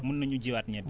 mun na ñu jiwaat ñebe